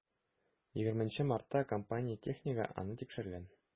20 мартта компания технигы аны тикшергән.